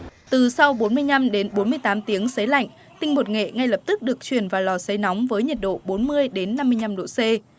từ sau bốn mươi nhăm đến bốn mươi tám tiếng sấy lạnh tinh bột nghệ ngay lập tức được chuyển vào lò sấy nóng với nhiệt độ bốn mươi đến năm mươi nhăm độ xê